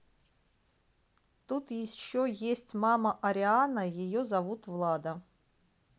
тут еще есть мама ariana ее зовут влада